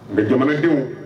Nka jamanadenw